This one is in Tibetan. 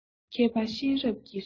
མཁས པ ཤེས རབ ཀྱིས བསྲུང ན